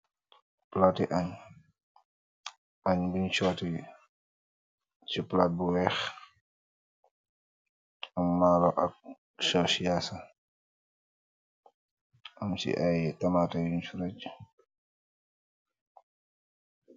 Plati añ, añ buñ soti ci plat bu weex, am malo ak soosi yaasa, am ci ay tamata yuñ ferej